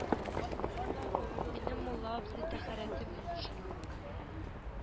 Минем мулла абзый тәһарәтем юк шул